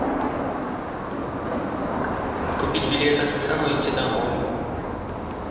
купить билеты сцен уйти домой